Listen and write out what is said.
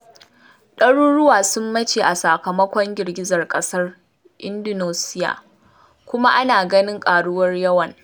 Ɗaruruwa sun mace a sakamakon girgizar ƙasar Indonesiya, kuma ana ganin ƙaruwar yawan